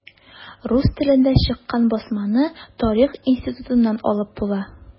Рус телендә чыккан басманы Тарих институтыннан алып була.